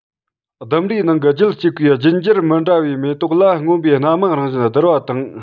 ལྡུམ རའི ནང གི རྒྱུད གཅིག པའི རྒྱུད འགྱུར མི འདྲ བའི མེ ཏོག ལ མངོན པའི སྣ མང རང བཞིན བསྡུར བ དང